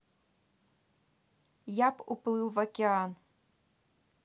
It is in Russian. я б уплыл в океан